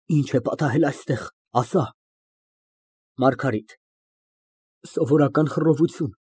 Ի՞նչ է պատահել այստեղ, ասա։ ՄԱՐԳԱՐԻՏ ֊ Սովորական խռովություն։